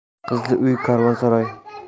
qizli uy karvonsaroy